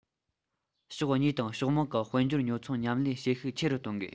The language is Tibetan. ཕྱོགས གཉིས དང ཕྱོགས མང གི དཔལ འབྱོར ཉོ ཚོང མཉམ ལས བྱེད ཤུགས ཆེ རུ གཏོང དགོས